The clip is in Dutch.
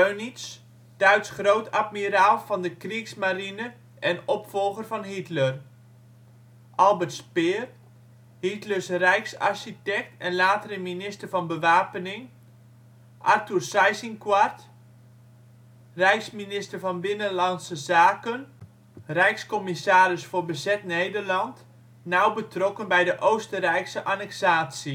Dönitz (Duits groot-admiraal van de Kriegsmarine en opvolger van Hitler) Albert Speer (Hitlers Rijksarchitect en latere Minister van Bewapening) Arthur Seyss-Inquart (rijksminister van Buitenlandse Zaken, rijkscommissaris voor bezet Nederland, nauw betrokken bij de Oostenrijkse annexatie